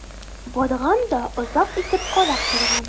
Барган да озак итеп карап торган.